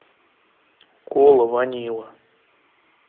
кола ванила